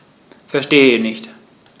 Verstehe nicht.